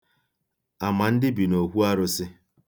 Amandị bi n'òkwuarụ̄sị̄.